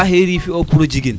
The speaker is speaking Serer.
a xiro fiyo pour o jegin